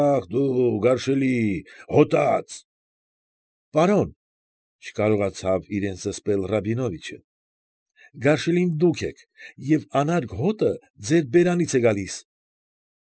Ախ դո՛ւ գարշելի, հոտած։ ֊ Պարոն,֊ չկարողացավ իրեն զսպել Ռաբինովիչը,֊ գարշելին դուք եք և անարգ հոտը ձեր բերանից է գալիս։